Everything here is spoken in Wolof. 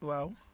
waaw